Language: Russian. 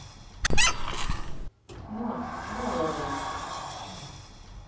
мот молодо